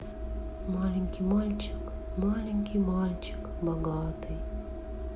маленький мальчик маленький мальчик богатый